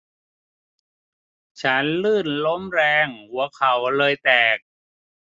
ฉันลื่นล้มแรงหัวเข่าเลยแตก